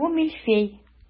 Бу мильфей.